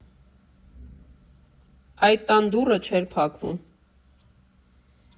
Այդ տան դուռը չէր փակվում։